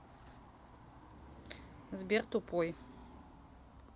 сбер тупой